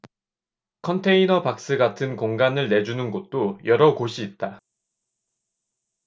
컨테이너 박스 같은 공간을 내주는 곳도 여러 곳이 있다